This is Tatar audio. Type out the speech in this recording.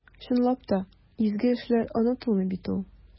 Чынлап та, изге эшләр онытылмый бит ул.